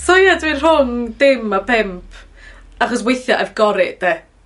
So ie dwi rhwng dim a pump achos weithie I've gor i' 'de?